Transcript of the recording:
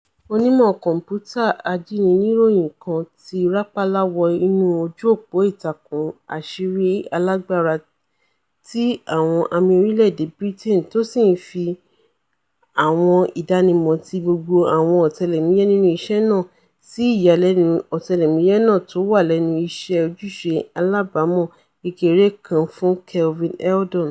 Onímọ-kọ̀m̀pútà ajíniníròyìn kan ti rápálá wọ inú oju-òpó ìtàkùn àṣírí-alágbára ti àwọn amì orílẹ̀-èdè Britain, tó sì ńfi àwọn ìdánimọ̀ tí gbogbo àwọn ọ̀tẹlẹ̀múyẹ nínú iṣẹ́ náà, sí ìyàlẹ́nu ọ̀tẹlẹ̀múyẹ náà tówà lẹ́nu iṣẹ́ - ojúṣe aláàbámọ̀ kékeré kan fún Kevin Eldon.